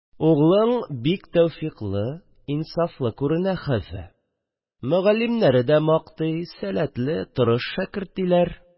Углың бик тәүфыйклы, инсафлы күренә, хәлфә, мөгаллимнәре дә мактый, сәләтле, тырыш шәкерт, диләр.